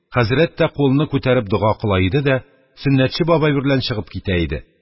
Хәзрәт тә кулыны күтәреп дога кыла иде дә Сөннәтче бабай берлән чыгып китә иде.